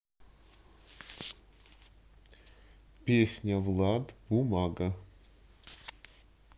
песня влад бумага